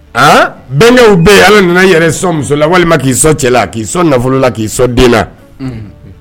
A bɛnkɛw bɛɛ ye ala nana yɛrɛ sɔn musola walima k'i sɔn cɛla la k'i sɔn nafolo la k'i sɔn denna